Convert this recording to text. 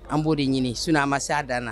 Anw b'o de ɲini sinon a ma sa'dan na